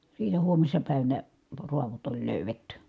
siitä huomisena päivänä raadot oli löydetty